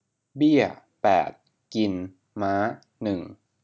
เบี้ยแปดกินม้าหนึ่ง